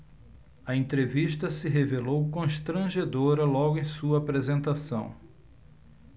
a entrevista se revelou constrangedora logo em sua apresentação